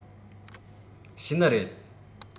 ཤེས ནི རེད